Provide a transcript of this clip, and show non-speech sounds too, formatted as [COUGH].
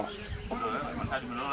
waaw [CROSSTALK]